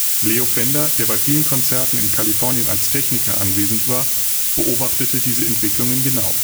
Leo Fender, der bei vielen Konzerten in Kalifornien als Techniker anwesend war, beobachtete diese Entwicklungen genau